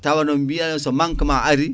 tawa no biye so manquement ari